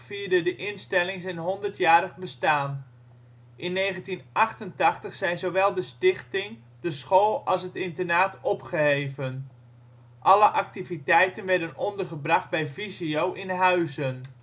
vierde de instelling zijn 100-jarig bestaan. In 1988 zijn zowel de stichting, de school als het internaat opgeheven. Alle activiteiten werden ondergebracht bij Visio in Huizen